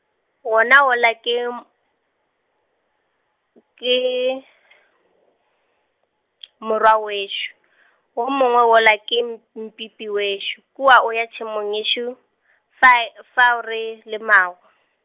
wona wola ke m- , ke , morwa wešo , wo mongwe wola ke m- Mpipi wešo, kua o ya tšhemong yešo, fai-, fao re lemago.